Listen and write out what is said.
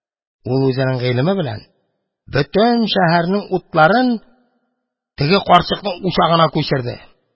Ул үзенең гыйлеме белән бөтен шәһәрнең утларын теге карчыкның учагына күчерде.